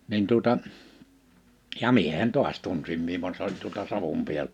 niin tuota ja miehen taas tunsin minä vaan se oli tuolta Savon -